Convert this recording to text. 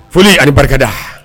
Foli a barika da.